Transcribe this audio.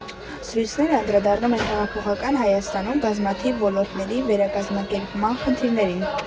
Զրույցներն անդրադառնում են հետհեղափոխական Հայաստանում բազմաթիվ ոլորտների վերակազմակերպման խնդիրներին.